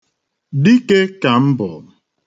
Dike ka m bụ.